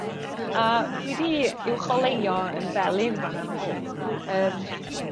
a dwi 'di uwcholeuo yn felyn fana falle yr